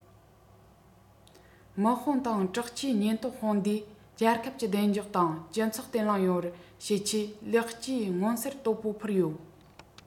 དམག དཔུང དང དྲག ཆས ཉེན རྟོག དཔུང སྡེས རྒྱལ ཁབ ཀྱི བདེ འཇགས དང སྤྱི ཚོགས བརྟན ལྷིང ཡོང བར བྱེད ཆེད ལེགས སྐྱེས མངོན གསལ དོད པོ ཕུལ ཡོད